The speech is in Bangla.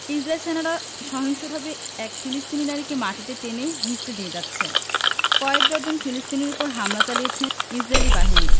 ইসরাইলী সেনারা সহিংসভাবে এক ফিলিস্তিনি নারীকে মাটিতে টেনে হেঁচড়ে নিয়ে যাচ্ছে কয়েক ডজন ফিলিস্তিনির ওপর হামলা চালিয়েছে ইসরাইলি বাহিনী